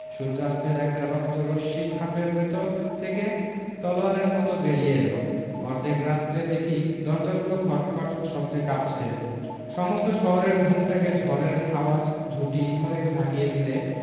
সূর্য্যাস্তের একটা রক্ত রশ্মি খাপের ভেতর থেকে তলোয়ারের মত বেরিয়ে এল অর্ধেক রাত্রে দেখি দরজাগুলো খটখট শব্দে কাঁপছে সমস্ত শহরের ঘুমটাকে ঝড়ের হাওয়া ঝুঁটি ধরে ঝাঁকিয়ে দিলে